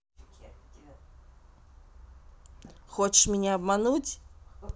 хочешь меня обмануть